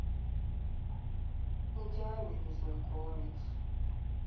идеальный незнакомец